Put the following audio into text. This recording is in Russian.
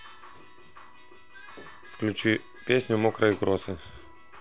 включи песню мокрые кросы